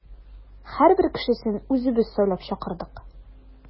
Һәрбер кешесен үзебез сайлап чакырдык.